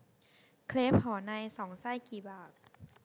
เครปหอในสองไส้กี่บาท